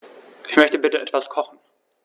Ich möchte bitte etwas kochen.